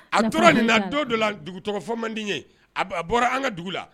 A tora nin don dɔ la dugu tɔgɔ fɔ man di ye a bɔra an ka dugu la